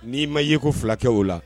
N'i ma ye ko fulakɛ o la